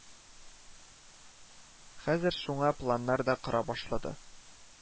Хәзер шуңа планнар да кора башлады